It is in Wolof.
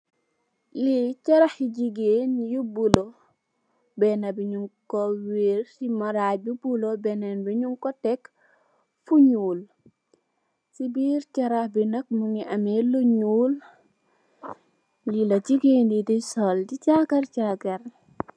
Li charah bu jigeen yu bulu benah nu wer ci marrach bu bulu been bi nu teh fu nuul ci biir charah nak mogui ammee lo nuul li lak jigeen yi di sol di jargarr jargarr.